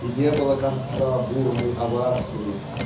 и не было конца бурной овации.